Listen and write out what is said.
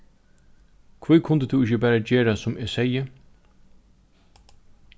hví kundi tú ikki bara gera sum eg segði